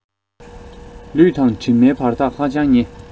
ལུས དང གྲིབ མའི བར ཐག ཧ ཅང ཉེ